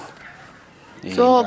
so